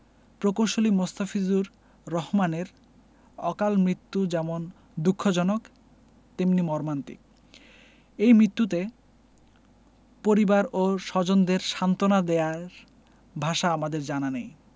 প্রকৌশলী মোস্তাফিজুর রহমানের অকালমৃত্যু যেমন দুঃখজনক তেমনি মর্মান্তিক এই মৃত্যুতে পরিবার ও স্বজনদের সান্তনা দেয়ার ভাষা আমাদের জানা নেই